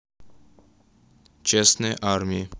частные армии